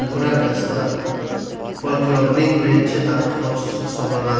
etnografiyasi va folklorining birinchi tadqiqotchisi hisoblanadi